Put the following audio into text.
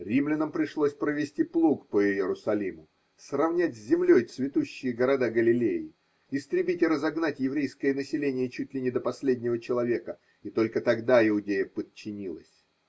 Римлянам пришлось провести плуг по Иерусалиму, сравнять с землей цветущие города Галилеи, истребить и разогнать еврейское население чуть ли не до последнего человека, и только тогда Иудея подчинилась.